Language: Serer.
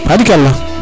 arikala